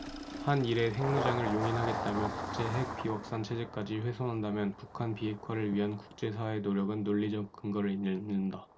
한 일의 핵무장을 용인하겠다며 국제 핵 비확산 체제까지 훼손한다면 북한 비핵화를 위한 국제사회의 노력은 논리적 근거를 잃는다